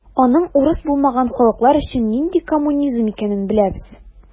Аның урыс булмаган халыклар өчен нинди коммунизм икәнен беләбез.